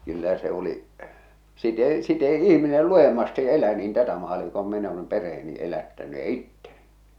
kyllä se oli sitä ei sitä ei ihminen lujemmasti elä niin tätä - kuin minä olen perheeni elättänyt ja itseni